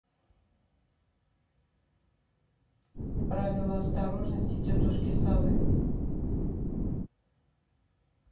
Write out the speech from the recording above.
правила осторожности тетушки совы